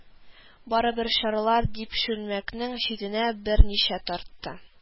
Барыбер чарлар дип, чүлмәкнең читенә берничә тартты